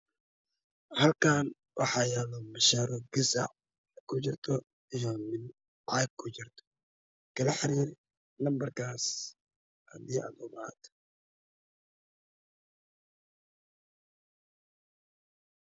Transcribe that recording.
Halkaan waxaa yaalo caano booro ku jirta kartoomo